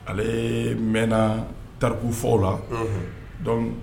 Alee mɛnna taariku fɔw la. Unhun. Donc